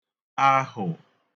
ahụ̀